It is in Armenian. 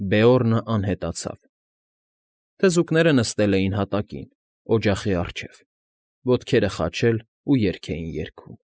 Բեորնը անհետացավ։ Թզուկները նստել էին հատակին, օջախի առջև, ոտքերը խաչել ու երգ էին երգում։